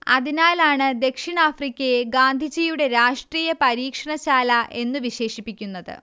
അതിനാലാണ് ദക്ഷിണാഫ്രിക്കയെ ഗാന്ധിജിയുടെ രാഷ്ട്രീയ പരീക്ഷണ ശാല എന്നു വിശേഷിപ്പിക്കുന്നത്